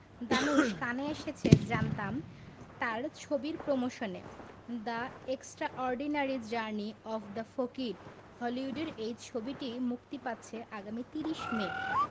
ধানুশ কানে এসেছে জানতাম তার ছবির প্রমোশনে the extraordinary journey of the fakir হলিউডের এই ছবিটি মুক্তি পাচ্ছে আগামী ৩০ মে